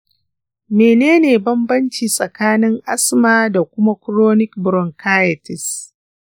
menene banbanci tsakanin asthma da kuma chronic bronchitis